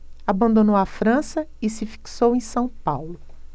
abandonou a frança e se fixou em são paulo